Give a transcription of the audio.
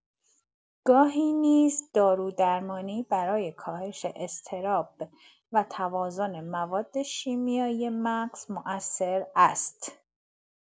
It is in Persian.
گاهی نیز دارودرمانی برای کاهش اضطراب و توازن مواد شیمیایی مغز مؤثر است.